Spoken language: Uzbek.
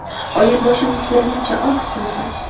oyim boshimni silagancha ohista yupatdi